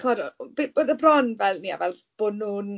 Chimod, b- oedd e bron fel ni fel ie bod nhw'n..